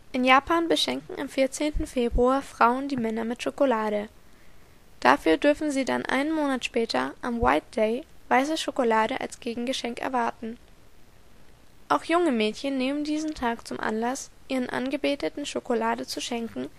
In Japan beschenken am 14. Februar Frauen die Männer mit Schokolade. Dafür dürfen sie dann einen Monat später am White Day weiße Schokolade als Gegengeschenk erwarten. Auch junge Mädchen nehmen diesen Tag zum Anlass, ihren Angebeteten Schokolade zu schenken